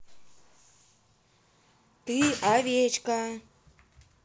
ты овечка